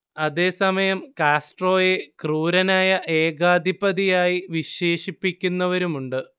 അതേ സമയം കാസ്ട്രോയെ ക്രൂരനായ ഏകാധിപതിയായി വിശേഷിപ്പിക്കുന്നവരുമുണ്ട്